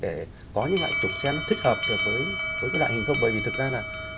để có những loại trục xe nó thích hợp được với với các loại hình không bởi vì thực ra là